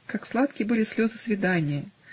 Как сладки были слезы свидания!